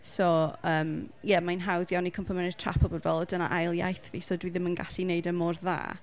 So yym ie mae'n hawdd iawn i cwympo mewn i'r trap o bod fel "dyna ail iaith fi so dwi ddim yn gallu gwneud e mor dda".